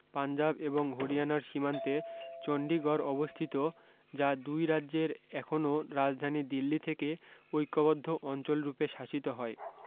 পাঞ্জাব এবং হরিয়ানার সীমান্তে চন্ডীগড় অবস্থিত যা দুই রাজ্যের এখনো রাজধানী দিল্লী থেকে ঐক্যবদ্ধ অঞ্চল রূপে শাসিত হয়